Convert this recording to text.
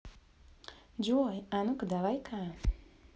джой а ну ка давай ка